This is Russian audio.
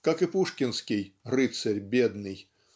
Как и пушкинский рыцарь бедный